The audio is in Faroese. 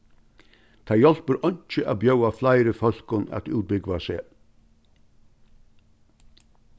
tað hjálpir einki at bjóða fleiri fólkum at útbúgva seg